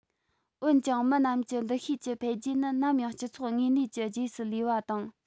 འོན ཀྱང མི རྣམས ཀྱི འདུ ཤེས ཀྱི འཕེལ རྒྱས ནི ནམ ཡང སྤྱི ཚོགས དངོས གནས ཀྱི རྗེས སུ ལུས པ དང